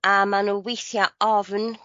a ma' n'w weithia' ofn